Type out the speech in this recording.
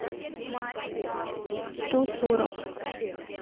сто сорок